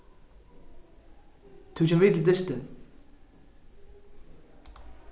tú kemur við til dystin